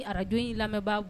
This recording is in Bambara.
radio in lamɛn baga bɛɛ